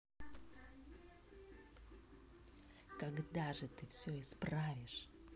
когда же ты все исправишь